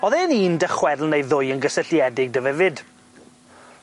Odd e'n un 'dy chwedl neu ddwy yn gysylltiedig 'dy fe fyd.